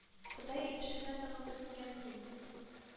Ходай эшенә тыгылды микәнни?